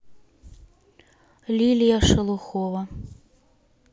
лилия шелухова